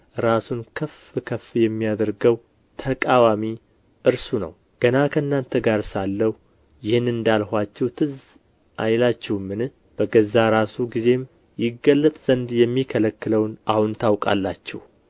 ራሱን ከፍ ከፍ የሚያደርገው ተቃዋሚ እርሱ ነው ገና ከእናንተ ጋር ሳለሁ ይህን እንዳልኋችሁ ትዝ አይላችሁምን በገዛ ራሱ ጊዜም ይገለጥ ዘንድ የሚከለክለውን አሁን ታውቃላችሁ